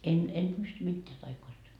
en en pysty mitään taioista